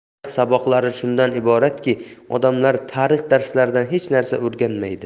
tarix saboqlari shundan iboratki odamlar tarix darslaridan hech narsa o'rganmaydi